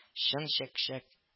Чын чәкчәк